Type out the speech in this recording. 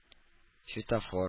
Светофор